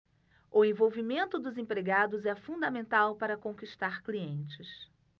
o envolvimento dos empregados é fundamental para conquistar clientes